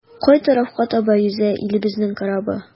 Кай тарафка таба йөзә илебезнең корабы?